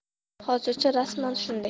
hozircha rasman shunday